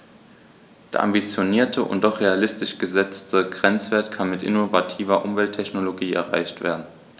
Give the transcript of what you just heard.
Der ambitionierte und doch realistisch gesetzte Grenzwert kann mit innovativer Umwelttechnologie erreicht werden.